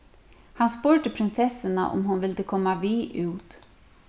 hann spurdi prinsessuna um hon vildi koma við út